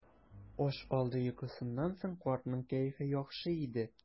Аш алды йокысыннан соң картның кәефе яхшы иде.